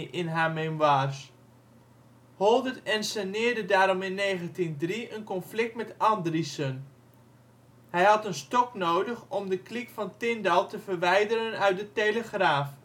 in haar memoires. Holdert ensceneerde daarom in 1903 een conflict met Andriessen. Hij had een stok nodig om ' de kliek van Tindal ' te verwijderen uit de Telegraaf